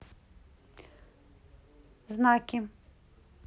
знаки